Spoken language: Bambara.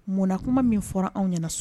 Mun kuma min fɔra anw ɲɛna so